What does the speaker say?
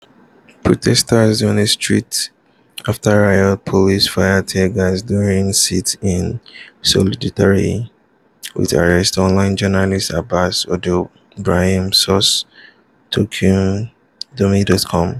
Protestors on a street after riot police fired tear gas during sit-in in solidarity with arrested online journalist Abbass Ould Braham (source: Taqadoumy.com)